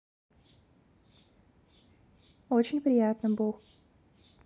очень приятный бог